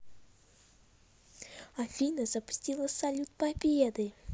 афина запусти салют победы